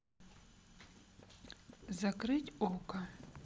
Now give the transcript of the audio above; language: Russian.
закрыть окко